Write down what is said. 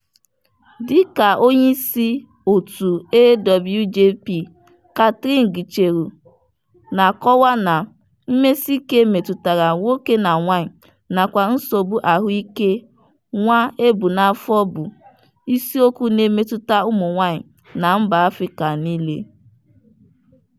Dịka onyeisi òtù AWJP, Catherine Gicheru na-akọwa na mmesiike metụtara nwoke na nwaanyị nakwa nsogbu ahụike nwa e bu n'afọ bụ isiokwu na-emetụta ụmụnwaanyị na mba Afrịka niile.